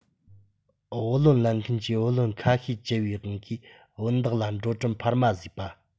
བུ ལོན ལེན མཁན གྱིས བུ ལོན ཁ ཤས བཅལ བའི དབང གིས བུན བདག ལ འགྲོ གྲོན འཕར མ བཟོས པ